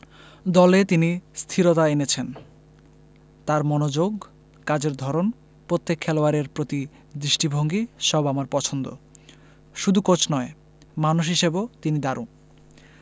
দলে তিনি স্থিরতা এনেছেন তাঁর মনোযোগ কাজের ধরন প্রত্যেক খেলোয়াড়ের প্রতি দৃষ্টিভঙ্গি সব আমার পছন্দ শুধু কোচ নয় মানুষ হিসেবেও তিনি দারুণ